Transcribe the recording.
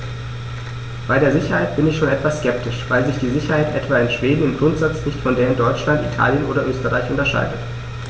Bei der Sicherheit bin ich schon etwas skeptisch, weil sich die Sicherheit etwa in Schweden im Grundsatz nicht von der in Deutschland, Italien oder Österreich unterscheidet.